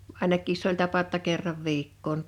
ainakin se oli tapa jotta kerran viikkoon